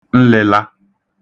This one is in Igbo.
nlị̄lā